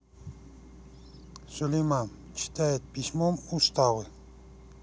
сулейман читает письмом уставы